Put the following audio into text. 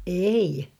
ei